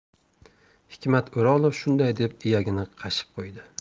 hikmat o'rolov shunday deb iyagini qashib qo'ydi